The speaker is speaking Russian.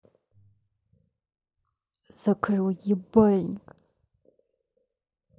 закрой ебальник